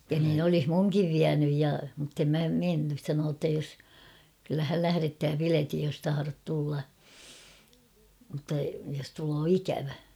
ja niin olisi minunkin vienyt ja mutta en minä mennyt sanoi jotta jos kyllä hän lähettää piletin jos tahdot tulla mutta jos tulee ikävä